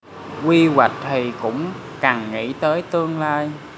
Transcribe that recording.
quy hoạch thì cũng cần nghĩ tới tương lai